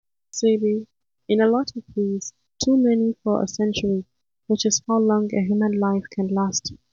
CB: In a lot of ways, too many for a century, which is how long a human life can last.